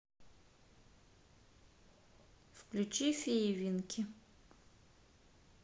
включи феи винки